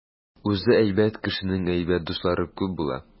Үзе әйбәт кешенең әйбәт дуслары күп була.